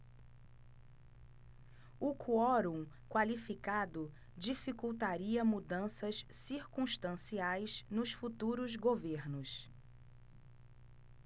o quorum qualificado dificultaria mudanças circunstanciais nos futuros governos